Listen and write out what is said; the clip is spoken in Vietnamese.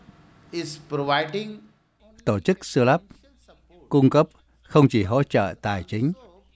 ít bờ rồ goai ting tổ chức xơ lắp cung cấp không chỉ hỗ trợ tài chính